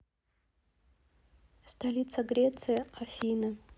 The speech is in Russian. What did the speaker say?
столица греции афины